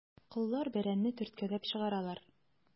Коллар бәрәнне төрткәләп чыгаралар.